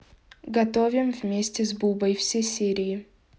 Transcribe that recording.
готовим вместе с бубой все серии